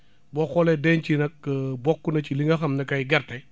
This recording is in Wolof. boo xoolee denc yi nag bokk na ci li nga xam ne kay gerte